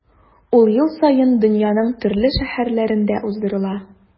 Ул ел саен дөньяның төрле шәһәрләрендә уздырыла.